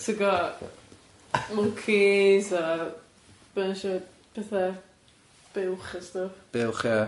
... ti'n gwbod, mwncis a bunch o pethe buwch a stwff. Buwch ia,